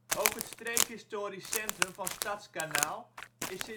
Ook het streekhistorisch Centrum van Stadskanaal is